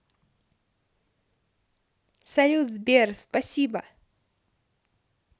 салют сбер спасибо